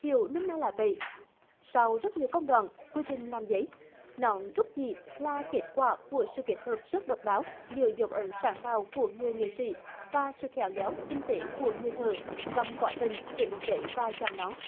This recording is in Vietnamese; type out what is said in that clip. hiểu nôm na là vậy sau rất nhiều công đoạn quy trình làm giấy nón trúc chỉ là kết quả của sự kết hợp sức độc đáo giữa dấu ấn sáng tạo của người nghệ sỹ và sự khéo léo tinh tế của người thợ trong quá trình xử lý giấy và chạm nón